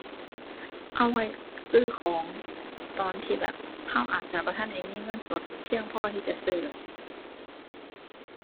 เอาไว้ซื้อของตอนที่แบบ เราอาจจะบ่ทันได้มีเงินสดเพียงพอที่จะซื้อ